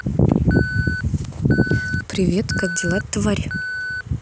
привет как дела тварь